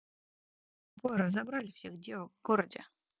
олег ломовой разобрали всех девок в городе